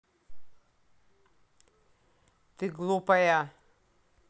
ты глупая